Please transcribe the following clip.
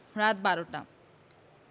রাত ১২ টা